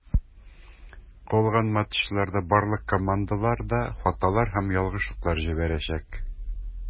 Калган матчларда барлык командалар да хаталар һәм ялгышлыклар җибәрәчәк.